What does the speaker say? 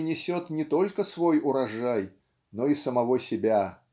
принесет не только свой урожай но и самого себя